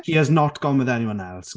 She has not gone with anyone else.